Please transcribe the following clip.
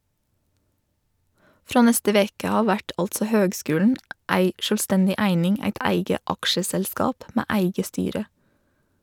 Frå neste veke av vert altså høgskulen ei sjølvstendig eining, eit eige aksjeselskap med eige styre.